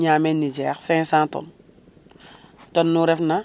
ñame niger 500 tonnes tonne nu ref na